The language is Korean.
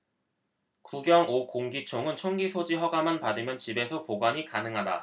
구경 오 공기총은 총기소지 허가만 받으면 집에서 보관이 가능하다